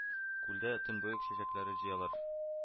Күлдән төнбоек чәчәкләре җыялар